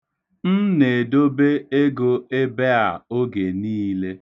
M na-edobe ego ebe a oge niile.